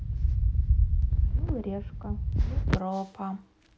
орел и решка европа